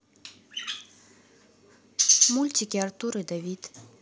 мультики артур и давид